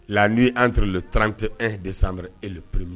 La nuit entre le 31 décembre et le 1er